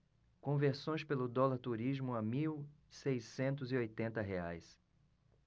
conversões pelo dólar turismo a mil seiscentos e oitenta reais